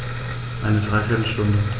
Eine dreiviertel Stunde